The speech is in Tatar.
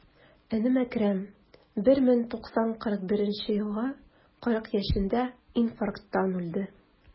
Энем Әкрам, 1941 елгы, 40 яшендә инфаркттан үлде.